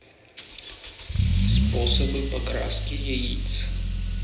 способы покраски яиц